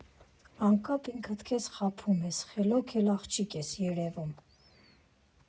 Անկապ ինքդ քեզ խաբում ես, խելոք էլ աղջիկ ես երևում։